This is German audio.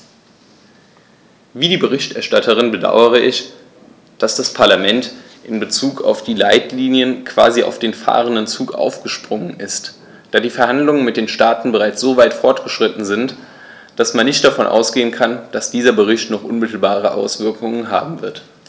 Wie die Berichterstatterin bedaure ich, dass das Parlament in bezug auf die Leitlinien quasi auf den fahrenden Zug aufgesprungen ist, da die Verhandlungen mit den Staaten bereits so weit fortgeschritten sind, dass man nicht davon ausgehen kann, dass dieser Bericht noch unmittelbare Auswirkungen haben wird.